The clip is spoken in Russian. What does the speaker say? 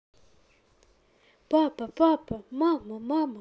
папа папа мама мама